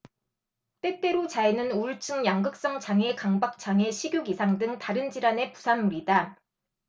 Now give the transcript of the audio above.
때때로 자해는 우울증 양극성 장애 강박 장애 식욕 이상 등 다른 질환의 부산물이다